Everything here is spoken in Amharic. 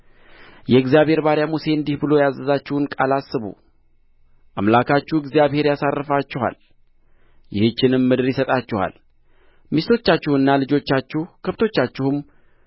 የእግዚአብሔር ባርያ ሙሴ እንዲህ ብሎ ያዘዛችሁን ቃል አስቡ አምላካችሁ እግዚአብሔር ያሳርፋችኋል ይህችንም ምድር ይሰጣችኋል ሚስቶቻችሁና ልጆቻችሁ ከብቶቻችሁም